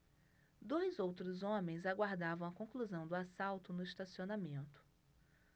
dois outros homens aguardavam a conclusão do assalto no estacionamento